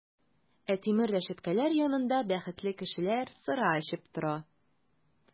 Ә тимер рәшәткәләр янында бәхетле кешеләр сыра эчеп тора!